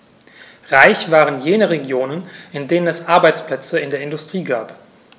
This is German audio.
Reich waren jene Regionen, in denen es Arbeitsplätze in der Industrie gab.